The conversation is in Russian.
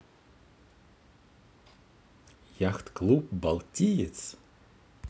яхт клуб балтиец